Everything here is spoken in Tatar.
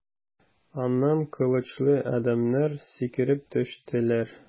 Аннан кылычлы адәмнәр сикереп төштеләр.